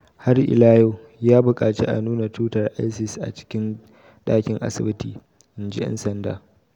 Har ila yau, ya bukaci a nuna tutar Isis a cikin dakin asibiti, in ji 'yan sanda.